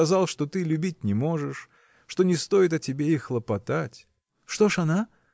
сказал, что ты любить не можешь, что не стоит о тебе и хлопотать. – Что ж она?